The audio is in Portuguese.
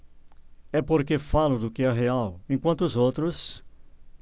é porque falo do que é real enquanto os outros